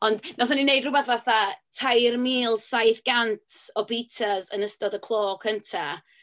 Ond wnaethon ni wneud rywbeth fatha tair mil saith gant o bitsas yn ystod y clo cynta.